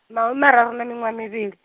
mahumimararu na miṅwaha mivhili.